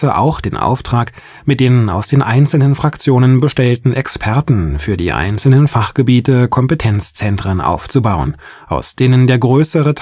auch den Auftrag, mit den aus den einzelnen Fraktionen bestellten Experten für die einzelnen Fachgebiete Kompetenzzentren aufzubauen, aus denen der größere